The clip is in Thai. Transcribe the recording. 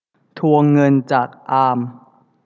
ทวงเงินจากอาม